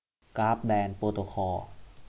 กราฟแบรนด์โปรโตคอล